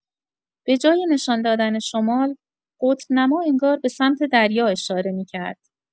به‌جای نشان‌دادن شمال، قطب‌نما انگار به سمت دریا اشاره می‌کرد.